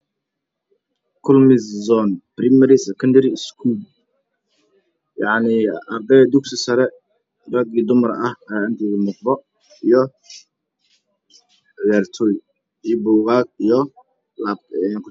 Waa boor uu ku sawiran yahay arday buugaag kalkuleterr waana iskool boorkiisa waana xayeysiin arday ayaa iga muuqda